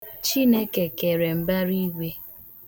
Chineke kere mbaraigwe.